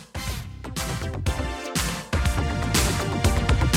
Abseits dieser beiden „ Erfolgsrezepte